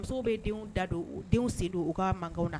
Musow bɛ denw da don u denw sen don u ka mankan na